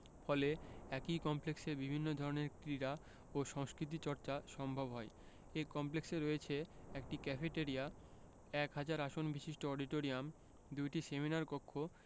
ফলে একই কমপ্লেক্সে বিভিন্ন ধরনের ক্রীড়া ও সংস্কৃতি চর্চা সম্ভব হয় এ কমপ্লেক্সে রয়েছে একটি ক্যাফেটরিয়া এক হাজার আসনবিশিষ্ট অডিটোরিয়াম ২টি সেমিনার কক্ষ